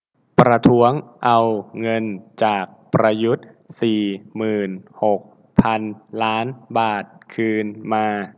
ประท้วงเอาเงินจากประยุทธ์สี่หมื่นหกพันล้านบาทคืนมา